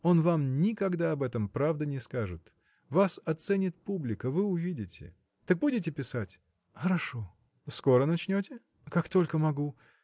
Он вам никогда об этом правды не скажет. Вас оценит публика – вы увидите. Так будете писать? – Хорошо. – Скоро начнете? – Как только могу.